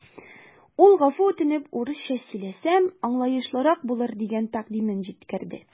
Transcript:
Ул гафу үтенеп, урысча сөйләсәм, аңлаешлырак булыр дигән тәкъдимен җиткерде.